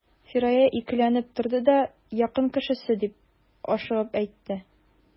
Фирая икеләнеп торды да: — Якын кешесе,— дип ашыгып әйтте.